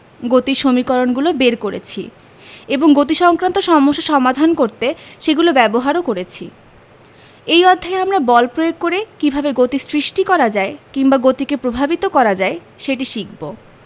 গতির সমীকরণগুলো বের করেছি এবং গতিসংক্রান্ত সমস্যা সমাধান করতে সেগুলো ব্যবহারও করেছি এই অধ্যায়ে আমরা বল প্রয়োগ করে কীভাবে গতির সৃষ্টি করা যায় কিংবা গতিকে প্রভাবিত করা যায় সেটি শিখব